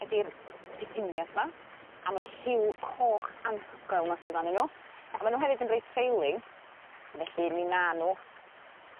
ydi'r petunias 'ma am y lliw coch anhygoel 'ma sydd anyn n'w a ma' nw hefyd yn reit trailing felly mi 'na n'w